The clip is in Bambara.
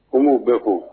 Ko n k'o bɛɛ ko